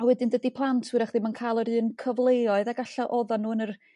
A wedyn dydi plant hwyrach ddim yn cael yr un cyfleoedd ag e'lla' oddan nhw yn yr